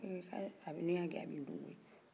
eh ni n y'a gɛn a bɛ n dun koyi